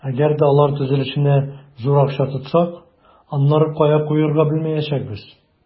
Әгәр дә алар төзелешенә зур акча тотсак, аннары кая куярга белмәячәкбез.